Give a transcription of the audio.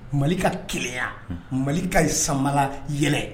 Mali ka kɛlɛya mali ka sanla yɛlɛ